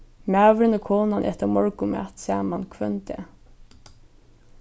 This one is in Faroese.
maðurin og konan eta morgunmat saman hvønn dag